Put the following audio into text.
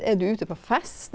er du ute på fest?